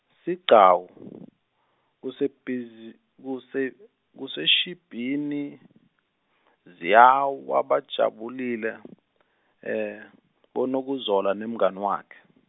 Sigcawu kusebhiz- kuse Kuseshibhini ziyawa bajabulile boNokuzola nemngani wakhe.